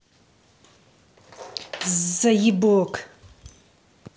заебок